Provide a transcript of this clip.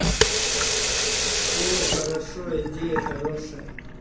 о хорошо идея хорошая